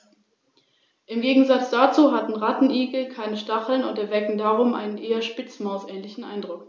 In seiner östlichen Hälfte mischte sich dieser Einfluss mit griechisch-hellenistischen und orientalischen Elementen.